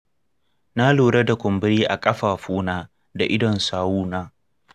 na lura da kumburi a ƙafafuna da idon sawuna.